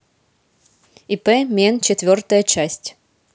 ип мен четвертая часть